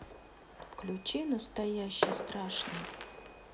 включи настоящий страшный